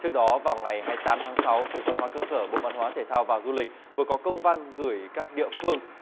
trước đó vào ngày hai tám tháng sáu cục văn hóa cơ sở bộ văn hóa thể thao và du lịch vừa có công văn gửi các địa phương